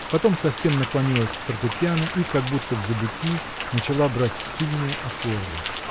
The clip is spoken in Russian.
потом совсем наклонилась к фортепиано и как будто в забытьи начала брать сильные аккорды.